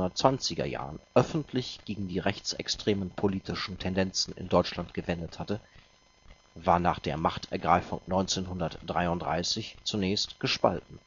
1920er Jahren öffentlich gegen die rechtsextremen politischen Tendenzen in Deutschland gewendet hatte, war nach der Machtergreifung 1933 zunächst gespalten